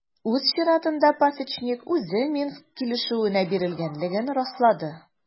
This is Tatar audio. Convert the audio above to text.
Үз чиратында Пасечник үзе Минск килешүенә бирелгәнлеген раслады.